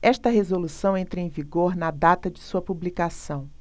esta resolução entra em vigor na data de sua publicação